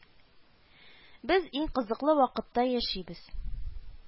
Без иң кызыклы вакытта яшибез